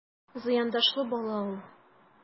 Зыяндашлы бала ул...